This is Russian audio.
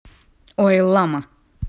ойлама